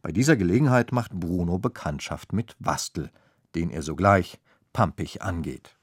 dieser Gelegenheit macht Bruno Bekanntschaft mit Wastl, den er sogleich pampig angeht